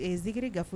Ɛ ziiriri ga kunnafoni